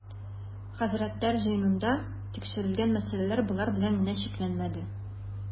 Хәзрәтләр җыенында тикшерел-гән мәсьәләләр болар белән генә чикләнмәде.